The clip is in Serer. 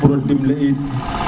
puro dim le iin